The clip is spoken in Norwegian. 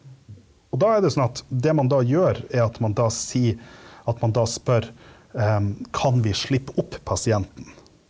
og da er det sånn at det man da gjør er at man da sier at man da spør kan vi slippe opp pasienten?